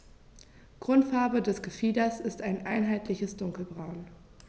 Grundfarbe des Gefieders ist ein einheitliches dunkles Braun.